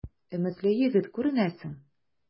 Өметле егет күренәсең.